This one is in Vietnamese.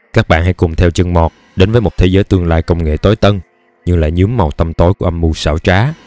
các bạn hãy cùng theo chân mọt đến với một thế giới tương lai công nghệ tối tân nhưng lại nhuốm màu tăm tối của âm mưu xảo trá